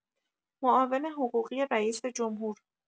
معاون حقوقی رئیس‌جمهور